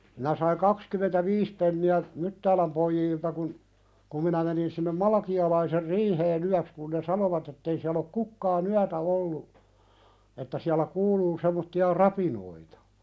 minä sain kaksikymmentäviisi penniä Myttäälän pojilta kun kun minä menin sinne Malakialaisen riiheen yöksi kun ne sanoivat että ei siellä ole kukaan yötä ollut että siellä kuuluu semmoisia rapinoita